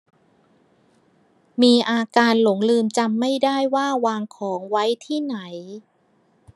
มีอาการหลงลืมจำไม่ได้ว่าวางของไว้ที่ไหน